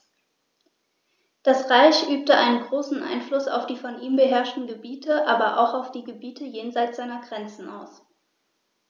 Das Reich übte einen großen Einfluss auf die von ihm beherrschten Gebiete, aber auch auf die Gebiete jenseits seiner Grenzen aus.